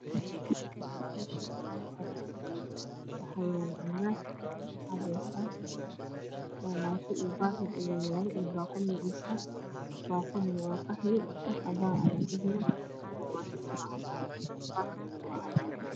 Meeshaan waa meel banaan ah waxaa yaalo axwaal cadays ah boomaato iyo baakad ayaa yaalo iyo baaquli yariis ah . baaquliga waa qaxwi wax cadaan ayaa ku jira. Boomaata waa cadaan.